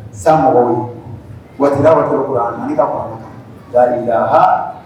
San mɔgɔw